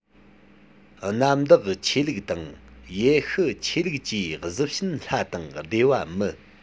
གནམ བདག ཆོས ལུགས དང ཡེ ཤུ ཆོས ལུགས ཀྱིས གཟི བྱིན ལྷ དང བདེ བ མི